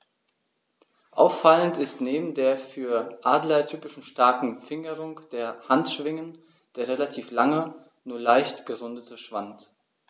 Auffallend ist neben der für Adler typischen starken Fingerung der Handschwingen der relativ lange, nur leicht gerundete Schwanz.